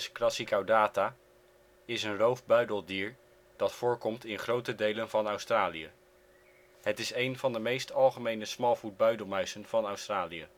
crassicaudata) is een roofbuideldier dat voorkomt in grote delen van Australië. Het is één van de meest algemene smalvoetbuidelmuizen van Australië